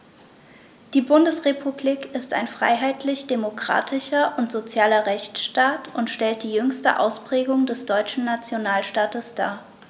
Die Bundesrepublik ist ein freiheitlich-demokratischer und sozialer Rechtsstaat und stellt die jüngste Ausprägung des deutschen Nationalstaates dar.